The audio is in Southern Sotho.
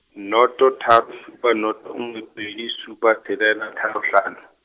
noto tharo supa noto nngwe pedi supa tshelela tharo hlano.